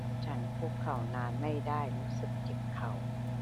ฉันคุกเข่านานไม่ได้รู้สึกเจ็บเข่า